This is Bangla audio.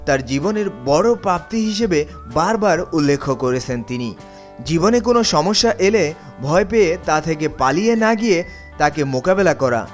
তার জীবনের বড় প্রাপ্তি হিসেবে বারবার উল্লেখ করেছেন তিনি জীবনে কোনো সমস্যা এলে ভয় পেয়ে তা থেকে পালিয়ে না গিয়ে তাকে মোকাবেলা করা